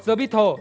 dờ bít thồ